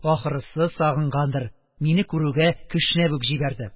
Ахрысы, сагынгандыр, мине күрүгә кешнәп үк җибәрде.